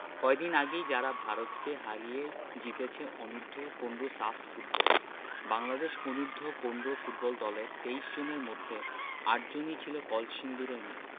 কদিন আগেই যারা ভারতকে হারিয়ে জিতেছে অনূর্ধ্ব১৫ সাফ ফুটবল বাংলাদেশ অনূর্ধ্ব১৫ ফুটবল দলের ২৩ জনের মধ্যে ৮ জনই ছিল কলসিন্দুরের মেয়ে